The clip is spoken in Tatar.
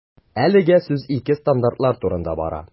Әлегә сүз иске стандартлар турында бара.